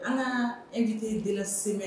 An epte deli sɛmɛ